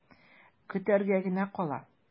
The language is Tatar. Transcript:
Көтәргә генә кала.